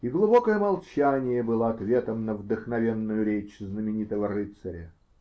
И глубокое молчание было ответом на вдохновенную речь знаменитого рыцаря.